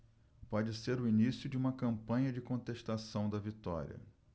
pode ser o início de uma campanha de contestação da vitória